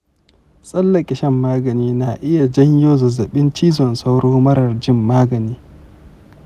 tsallake shan magani na iya janyo zazzabin cizon sauro marrar jin magani